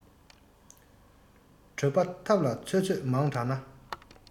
གྲོད པ ཐབ ལ ཚོད ཚོད མང དྲགས ན